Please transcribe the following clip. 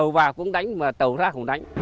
tàu vào cũng đánh mà tàu ra cũng đánh